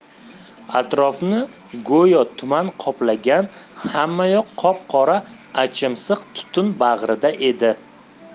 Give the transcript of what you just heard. atrofni go'yo tuman qoplagan hammayoq qop qora achimsiq tutun bag'rida edi